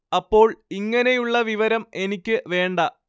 അപ്പോൾ ഇങ്ങനെയുള്ള വിവരം എനിക്ക് വേണ്ട